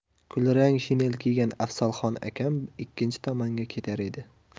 kulrang shinel kiygan afzalxon akam ikkinchi tomonga ketar edi